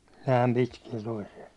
näin pitkiä toisia